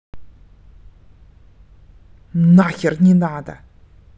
нахер не надо